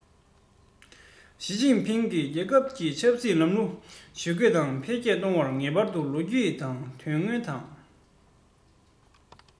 ཞིས ཅིན ཕིང གིས རྒྱལ ཁབ ཀྱི ཆབ སྲིད ལམ ལུགས ཇུས བཀོད དང འཕེལ རྒྱས གཏོང བར ངེས པར དུ ལོ རྒྱུས དང དོན དངོས དང